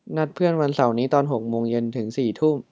นัดเพื่อนวันเสาร์นี้ตอนหกโมงเย็นถึงสี่ทุ่ม